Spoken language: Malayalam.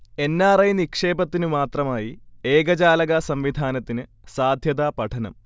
എൻ. ആർ. ഐ നിക്ഷേപത്തിനു മാത്രമായി ഏകജാലക സംവിധാനത്തിനു സാധ്യതാ പഠനം